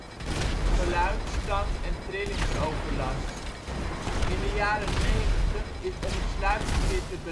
geluid - stank - en trillingsoverlast. In de jaren ´90 is om het sluipverkeer te belemmeren